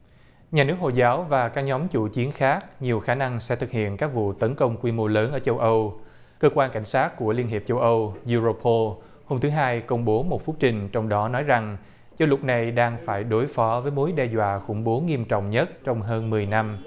nhà nước hồi giáo và các nhóm chủ chiến khác nhiều khả năng sẽ thực hiện các vụ tấn công quy mô lớn ở châu âu cơ quan cảnh sát của liên hiệp châu âu ưu rô bô hôm thứ hai công bố một phúc trình trong đó nói rằng châu lục này đang phải đối phó với mối đe dọa khủng bố nghiêm trọng nhất trong hơn mười năm